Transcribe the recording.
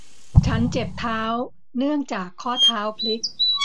ฉันเจ็บเท้าเนื่องจากข้อเท้าผลิก